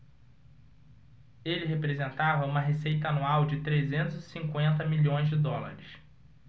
ele representava uma receita anual de trezentos e cinquenta milhões de dólares